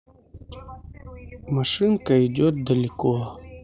машинка едет далеко